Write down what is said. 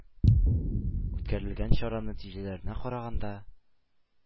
Үткәрелгән чара нәтиҗәләренә караганда,